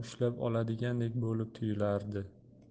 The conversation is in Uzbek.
ushlab oladigandek bo'lib tuyulardi